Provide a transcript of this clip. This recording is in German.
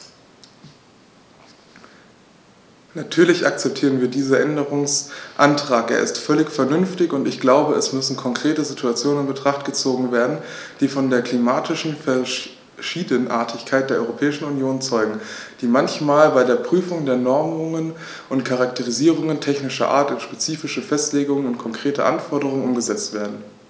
Natürlich akzeptieren wir diesen Änderungsantrag, er ist völlig vernünftig, und ich glaube, es müssen konkrete Situationen in Betracht gezogen werden, die von der klimatischen Verschiedenartigkeit der Europäischen Union zeugen, die manchmal bei der Prüfung der Normungen und Charakterisierungen technischer Art in spezifische Festlegungen und konkrete Anforderungen umgesetzt werden.